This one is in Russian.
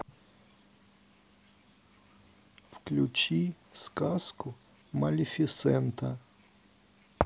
включи сказку малифисента